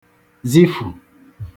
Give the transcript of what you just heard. Zifu